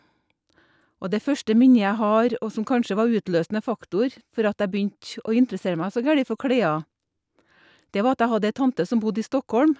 Og det første minnet jeg har, og som kanskje var utløsende faktor for at jeg begynte å interessere meg så gæli for klær, det var at jeg hadde ei tante som bodde i Stockholm.